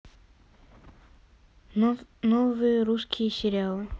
новые российские сериалы